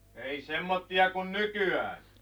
ei semmoisia kuin nykyään